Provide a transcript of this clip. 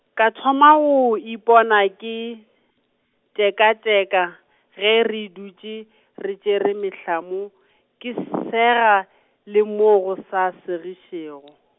ka thoma go ipona ke, tekateka ge re dutše, re tšere mehlamu, ke sega, le mo go sa segišago.